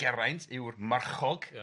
Geraint yw'r marchog